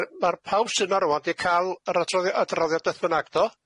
Ydi ma' pawb sy 'ma rŵan 'di ca'l yr adroddi- adroddiad beth bynnag do?